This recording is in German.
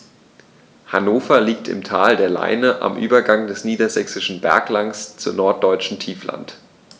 Hannover liegt im Tal der Leine am Übergang des Niedersächsischen Berglands zum Norddeutschen Tiefland.